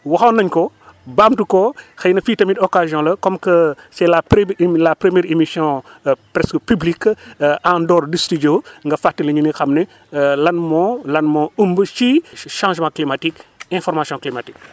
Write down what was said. waxoon nañ ko baamtu ko xëy na fii tamit occasion la comme que c' est la prem la première émission presque publique en dehors du studio nga fàttaliñu ñu xam ne lan moo lan moo ëmb ci changement climatique inforation climatique